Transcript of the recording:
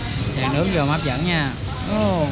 chan nước vô mới hấp dẫn nha